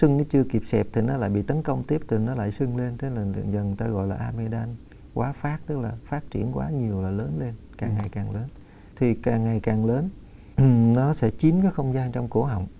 sưng nó chưa kịp xẹp thì nó lại bị tấn công tiếp từ nó lại sưng lên thế là dần dần ta gọi là a mê đan quá phát tức là phát triển quá nhiều và lớn lên càng ngày càng lớn thì càng ngày càng lớn nó sẽ chiếm các không gian trong cổ họng